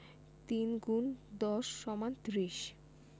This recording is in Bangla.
৩ ×১০ = ৩০